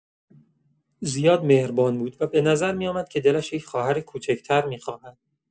زیاد مهربان بود و به نظر می‌آمد که دلش یک خواهر کوچک‌تر می‌خواهد.